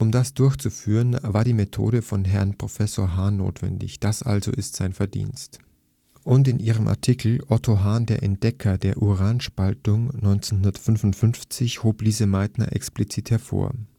das durchzuführen, war die Methode von Herrn Professor Hahn notwendig. Das ist also sein Verdienst. “Und in ihrem Artikel ' Otto Hahn - der Entdecker der Uranspaltung ' (1955) hob Lise Meitner explizit hervor